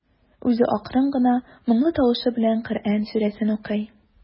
Үзе акрын гына, моңлы тавыш белән Коръән сүрәсен укый.